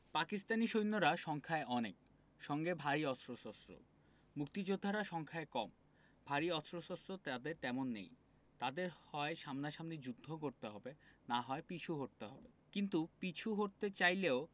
পাকিস্তানি সৈন্যরা সংখ্যায় অনেক সঙ্গে ভারী অস্ত্রশস্ত্র মুক্তিযোদ্ধারা সংখ্যায় কম ভারী অস্ত্রশস্ত্র তাঁদের তেমন নেই তাঁদের হয় সামনাসামনি যুদ্ধ করতে হবে না হয় পিছু হটতে হবে কিন্তু পিছু হটতে চাইলেও